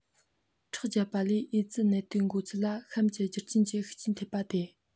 ཁྲག བརྒྱབ པ ལས ཨེ ཙི ནད དུག འགོ ཚད ལ གཤམ གྱི རྒྱུ རྐྱེན གྱི ཤུགས རྐྱེན ཐེབས པ སྟེ